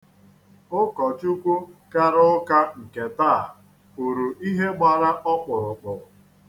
Ụkọchukwu kara ụka nke taa kwuru ihe gbara ọkpụrụkpụ.